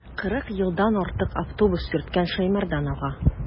Кырык елдан артык автобус йөрткән Шәймәрдан ага.